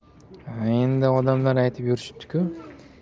endi odamlar aytib yurishibdi ku